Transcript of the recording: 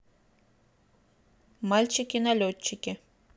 мальчики налетчики